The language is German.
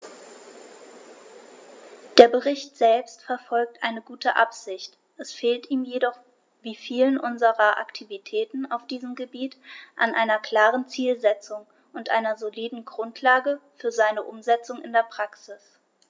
Der Bericht selbst verfolgt eine gute Absicht, es fehlt ihm jedoch wie vielen unserer Aktivitäten auf diesem Gebiet an einer klaren Zielsetzung und einer soliden Grundlage für seine Umsetzung in die Praxis.